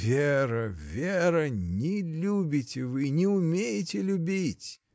Вера, Вера — не любите вы, не умеете любить.